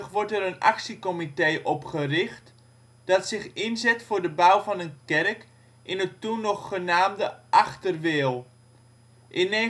wordt er een actiecomité opgericht dat zich inzet voor de bouw van een kerk in het toen nog genaamde Achter-Wehl. In 1925